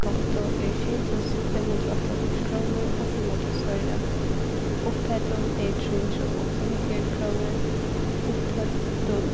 konto er sjey túsund fimm hundrað og áttaoghálvfjerðs krónur og fimmoghálvtrýss oyru upphæddin er trý hundrað og fimmogfjøruti krónur